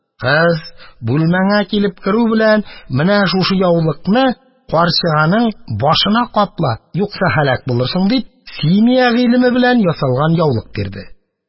Кыз бүлмәңә килеп керү белән, менә шушы яулыкны карчыганың башына капла, юкса һәлак булырсың, – дип, симия гыйлеме белән ясалган яулык бирде.